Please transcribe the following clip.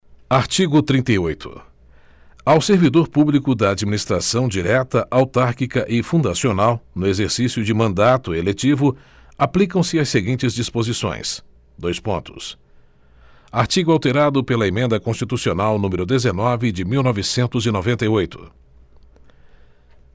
artigo trinta e oito ao servidor público da administração direta autárquica e fundacional no exercício de mandato eletivo aplicam se as seguintes disposições dois pontos artigo alterado pela emenda constitucional número dezenove de mil novecentos e noventa e oito